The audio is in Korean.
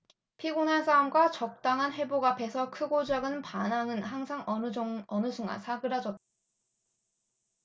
피곤한 싸움과 적당한 회복 앞에서 크고 작은 반항은 항상 어느 순간 사그라졌다